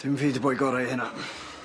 Dim fi 'di boi gora i hynna.